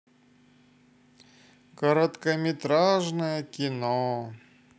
короткометражное кино